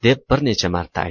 deb bir necha marta aytdi